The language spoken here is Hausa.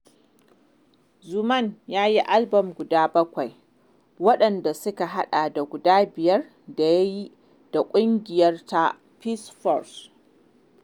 Xuman I ya yi albon guda 7, wanɗanda suka haɗa da guda 5 da ya yi da ƙungiya ta Pees Froiss.